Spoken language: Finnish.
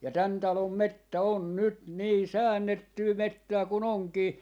ja tämän talon metsä on nyt niin säännettyä metsää kun onkin